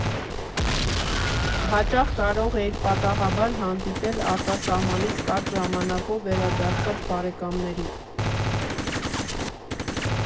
Հաճախ կարող էիր պատահաբար հանդիպել արտասահմանից կարճ ժամանակով վերադարձած բարեկամներիդ։